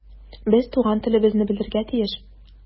Без туган телебезне белергә тиеш.